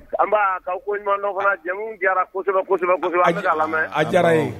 Nba k'aw koɲumandɔn jamu diyara kosɛbɛ kosɛbɛ kosɛbɛ an bɛ k'a lamɛn, a diyara an ye